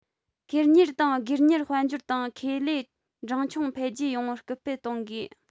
ཁེར གཉེར དང སྒེར གཉེར དཔལ འབྱོར དང ཁེ ལས འབྲིང ཆུང འཕེལ རྒྱས ཡོང བར སྐུལ སྤེལ གཏོང དགོས